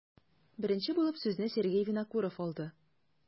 Беренче булып сүзне Сергей Винокуров алды.